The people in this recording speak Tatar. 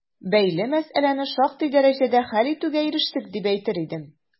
Бәйле мәсьәләне шактый дәрәҗәдә хәл итүгә ирештек, дип әйтер идем.